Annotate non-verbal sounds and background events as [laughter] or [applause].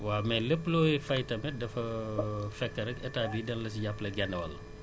waa mais looy fay tamit dafa [noise] fekk rekk état bi da la ci jàppale genn wàll